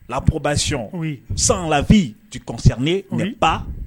Lapbay san lafifisi ba